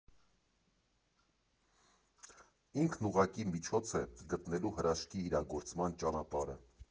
Ինքն ուղղակի միջոց է՝ գտնելու հրաշքի իրագործման ճանապարհը։